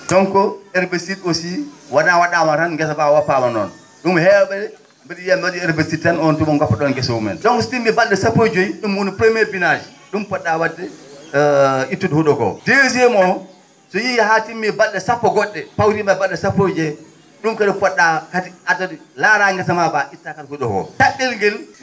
donc herbicide aussi wonaa wa?aama tan ngesa mba woppaama noon ?um heew?e mbi?a yiya mba?i herbicide tan on tuma goppa ?on gese mumen te on so timmii bal?e sappo e joyi ?um woni premier binage ?um po??a wa?de ittude hu?o koo deuxiéme o so yeyii haa timmii bal?e sappo go??e pawtiima e bal?e sappo e joyi hee ?um kadi po??a kadi laaraa ngesa maa mba itta kadi hu?o koo tata?el ngel